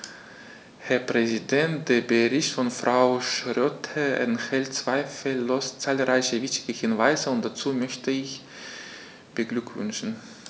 Herr Präsident, der Bericht von Frau Schroedter enthält zweifellos zahlreiche wichtige Hinweise, und dazu möchte ich sie beglückwünschen.